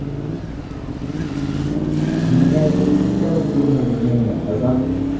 у меня же не сейчас день рождения а завтра